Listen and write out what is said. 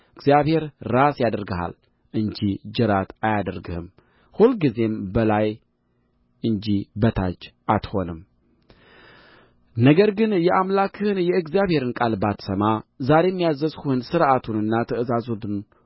እግዚአብሔር ራስ ያደርግሃል እንጂ ጅራት አያደርግህም ሁልጊዜም በላይ እንጂ በታች አትሆንም ነገር ግን የአምላክህን የእግዚአብሔርን ቃል ባትሰማ ዛሬም ያዘዝሁህን ሥርዓቱንና ትእዛዙን